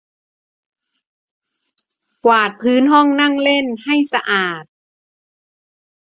กวาดพื้นห้องนั่งเล่นให้สะอาด